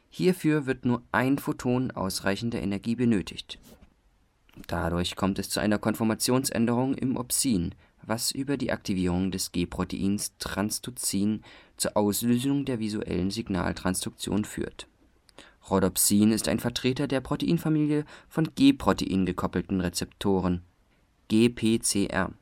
Hierfür wird nur ein Photon ausreichender Energie benötigt. Dadurch kommt es zu einer Konformationsänderung im Opsin, was über die Aktivierung des G-Proteins Transducin zur Auslösung der visuellen Signaltransduktion führt. Rhodopsin ist ein Vertreter einer Proteinfamilie von G-Protein gekoppelten Rezeptoren (GPCR